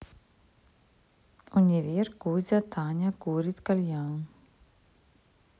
универ кузя таня курит кальян